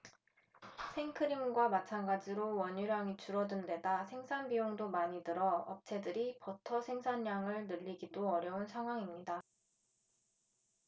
생크림과 마찬가지로 원유량이 줄어든데다 생산 비용도 많이 들어 업체들이 버터 생산량을 늘리기도 어려운 상황입니다